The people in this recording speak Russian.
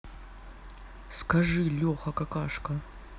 скажи леха какашка